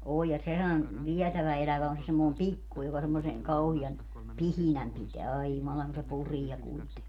on ja sehän vietävä elävä on se semmoinen pikku joka semmoisen kauhean pihinän pitää ai jumalan kun se puree -